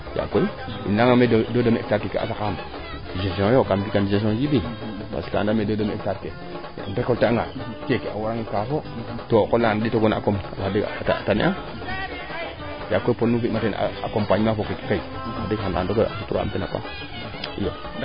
yaag koy im leya ngaange deux :vfra demi hectar kene a saqaxam gestion yoo kam fi kan gestion Djiby parce que andaame deux demi hectare ke im recolté a nga keeke a woraange kaafo to qol laana ndeeto goona a koom wax deg a tane a yaag koy pod nu fi uuma teen accompagnement fo keeke kaywax deg xano ande sant aam teena paax